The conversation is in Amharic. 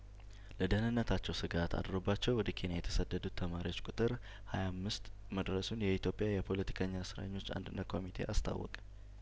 ለደህንነታቸው ስጋት አድሮባቸው ወደ ኬንያ የተሰደዱት ተማሪዎች ቁጥር ሀያ አምስት መድረሱን የኢትዮጵያ የፖለቲከኛ እስረኞች አንድነት ኮሚቴ አስታወቀ